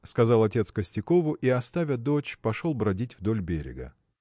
– сказал отец Костякову и, оставя дочь, пошел бродить вдоль берега.